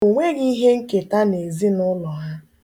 O nweghị ihenketa na ezinụlọ ha